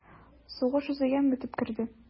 Сугыш үзәгемә үтеп керде...